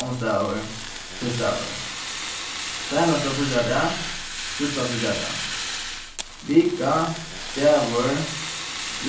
ónsdagur týsdagur seinasta fríggjadag síðsta fríggjadag vika dagur